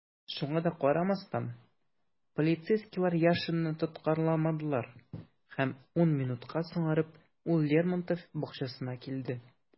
Шуңа да карамастан, полицейскийлар Яшинны тоткарламадылар - һәм ун минутка соңарып, ул Лермонтов бакчасына килде.